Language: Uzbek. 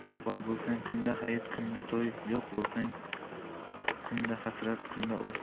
boy bo'lsang kunda hayit kunda to'y yo'q bo'lsang kunda hasrat kunda o'y